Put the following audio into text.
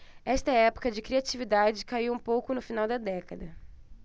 esta época de criatividade caiu um pouco no final da década